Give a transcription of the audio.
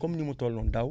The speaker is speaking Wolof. comme ni mu tolloon daaw